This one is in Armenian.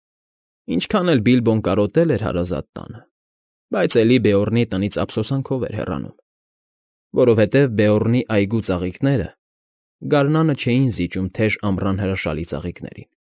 Ինչքան էլ Բիլբոն կարոտել էր հարազատ տանը, բայց էլի Բեորնի տնից ափսոսանքով էր հեռանում, որովհետև Բեորնի այգու ծաղիկները գարնանը չէին զիջում թեժ ամռան հրաշալի ծաղիկներին։